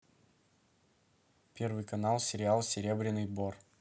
первый канал сериал серебряный бор